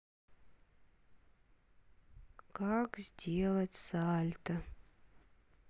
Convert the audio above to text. как сделать сальто